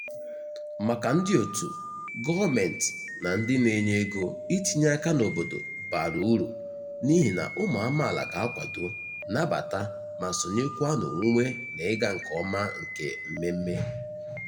Maka ndị òtù, gọọmentị, na ndị na-enye ego, itinye aka n'obodo bara ụrụ n'ịhị na ụmụ amaala ga-akwado, nabata, ma sonyekwa n'onwunwe na ịga nke ọma nke mmemme.